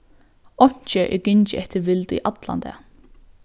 einki er gingið eftir vild í allan dag